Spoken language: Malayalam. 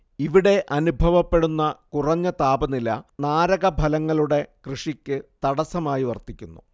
ഇവിടെ അനുഭവപ്പെടുന്ന കുറഞ്ഞ താപനില നാരകഫലങ്ങളുടെ കൃഷിക്ക് തടസ്സമായി വർത്തിക്കുന്നു